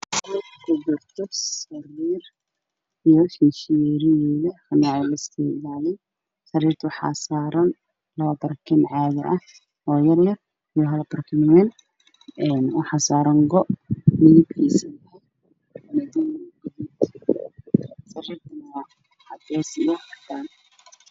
Waa qolo jiife waxaa yaalo sariir waxa saaran joodari iyo darikorkiisa waxaa sii saaran maraacaddan iyo guduud isku jirta